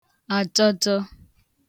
adtọdtọ